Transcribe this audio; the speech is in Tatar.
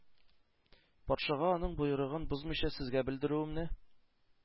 Патшага аның боерыгын бозмыйча сезгә белдерүемне